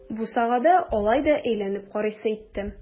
Бусагада алай да әйләнеп карыйсы иттем.